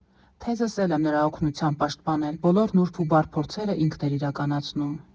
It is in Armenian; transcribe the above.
Թեզս էլ եմ նրա օգնությամբ պաշտպանել՝ բոլոր նուրբ ու բարդ փորձերը ինքն էր իրականացնում»։